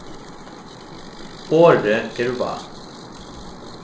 orðið er vatn